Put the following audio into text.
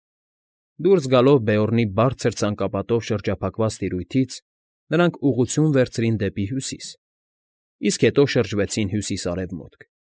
Դուրս գալով Բեորնի բարձր ցանկապատով շրջափակված տիրույթից, նրանք ուղղություն վերցրին դեպի հյուսիս, իսկ հետո շրջվեցին հյուսիս֊արևմուտք։